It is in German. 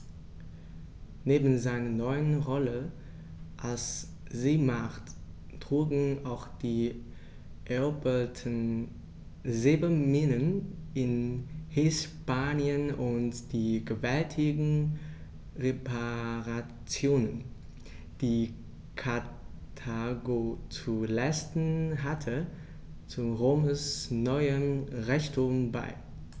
Neben seiner neuen Rolle als Seemacht trugen auch die eroberten Silberminen in Hispanien und die gewaltigen Reparationen, die Karthago zu leisten hatte, zu Roms neuem Reichtum bei.